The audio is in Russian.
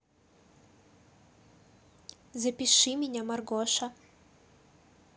запиши меня маргоша